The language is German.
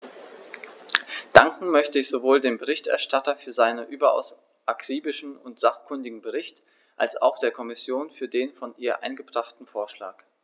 Danken möchte ich sowohl dem Berichterstatter für seinen überaus akribischen und sachkundigen Bericht als auch der Kommission für den von ihr eingebrachten Vorschlag.